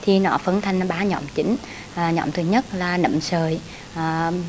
thì nó phân thành làm ba nhóm chính nhóm thứ nhất là nấm sợi à